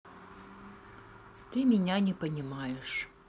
ты меня не понимаешь